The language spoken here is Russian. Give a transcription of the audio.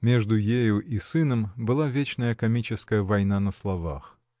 Между ею и сыном была вечная комическая война на словах.